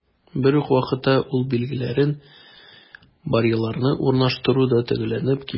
Бер үк вакытта, юл билгеләрен, барьерларны урнаштыру да төгәлләнеп килә.